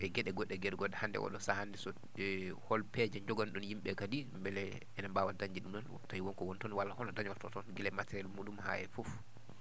e geɗe goɗɗe e geɗe goɗɗe hannde oɗo sahaa hannde s e hol peeje joganiɗon yimɓe ɓe kadi mbele ene mbaawa dañde ɗum ɗon tawi wonko woni toon walla hono dañorto toon gila e matériel muɗum haa e fof